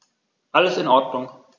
Alles in Ordnung.